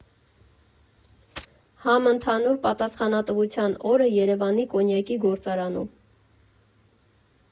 Համընդհանուր պատասխանատվության օրը Երևանի կոնյակի գործարանում։